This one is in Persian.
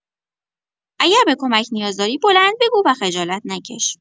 اگر به کمک نیاز داری، بلند بگو و خجالت نکش.